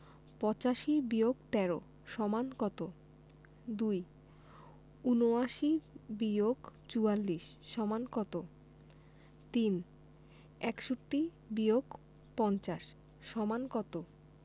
৮৫-১৩ = কত ২ ৭৯-৪৪ = কত ৩ ৬১-৫০ = কত